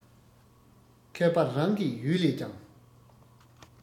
མཁས པ རང གི ཡུལ བས ཀྱང